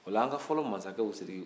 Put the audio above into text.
o la an ka fɔlɔ mansakɛw sidiki